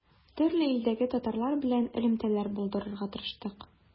Төрле илдәге татарлар белән элемтәләр булдырырга тырыштык.